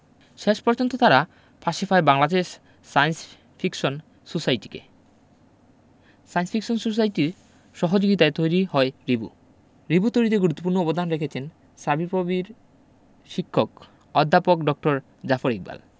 শেষ পর্যন্ত তারা পাশে পায় বাংলাদেশ সায়েন্স ফিকশন সোসাইটিকে সায়েন্স ফিকশন সোসাইটির সহযোগিতায়ই তৈরি হয় রিবো রিবো তৈরিতে গুরুত্বপূর্ণ অবদান রেখেছেন শাবিপ্রবির শিক্ষক অধ্যাপক ড. জাফর ইকবাল